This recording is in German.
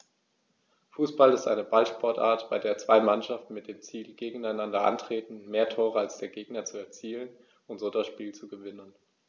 Fußball ist eine Ballsportart, bei der zwei Mannschaften mit dem Ziel gegeneinander antreten, mehr Tore als der Gegner zu erzielen und so das Spiel zu gewinnen.